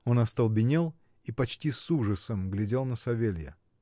Он остолбенел и почти с ужасом глядел на Савелья.